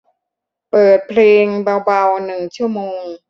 เปิดเพลงเบาเบาหนึ่งชั่วโมง